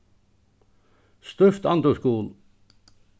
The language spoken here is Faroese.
stívt andøvsgul